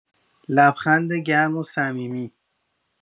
لبخند گرم و صمیمی